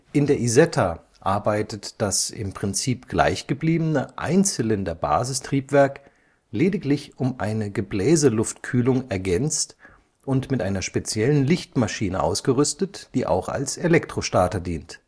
In der Isetta arbeitet das im Prinzip gleich gebliebene Einzylinder-Basistriebwerk, lediglich um eine Gebläseluftkühlung ergänzt und mit einer speziellen Lichtmaschine ausgerüstet, die auch als Elektrostarter dient